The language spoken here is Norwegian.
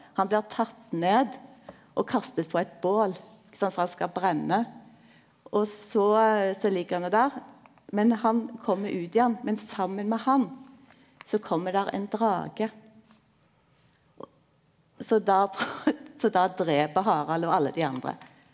han blir tatt ned og kasta på eit bål ikkje sant for han skal brenne og så så ligg han jo der men han kjem ut igjen men saman med han så kjem der ein drage så då som då drep Harald og alle dei andre.